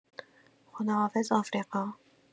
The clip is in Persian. خداحافظ آفریقا